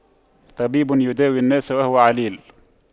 طبيب يداوي الناس وهو عليل